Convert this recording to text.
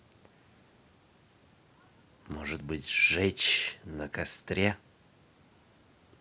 может быть сжечь на костре